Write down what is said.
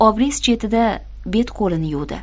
obrez chetida bet qo'lini yuvdi